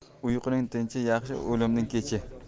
uyquning tinchi yaxshi o'limning kechi